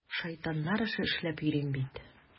Шайтаннар эше эшләп йөрим бит!